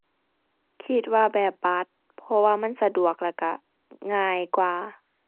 คิดว่าแบบบัตร เพราะว่ามันสะดวกแล้วก็ง่ายกว่า